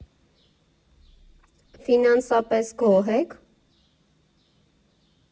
Ֆինանսապես գոհ ե՞ք։